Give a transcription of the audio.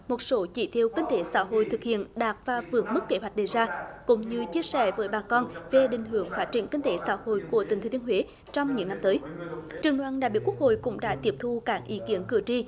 một số chỉ tiêu kinh tế xã hội thực hiện đạt và vượt mức kế hoạch đề ra cũng như chia sẻ với bà con về định hướng phát triển kinh tế xã hội của tỉnh thừa thiên huế trong những năm tới trưởng đoàn đại biểu quốc hội cũng đã tiếp thu các ý kiến cử tri